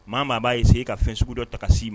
Maa maa b'a ye se e ka fɛn sugu dɔ ta ka' ma